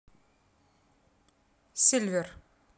silver